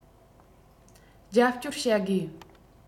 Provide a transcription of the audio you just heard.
རྒྱབ སྐྱོར བྱ དགོས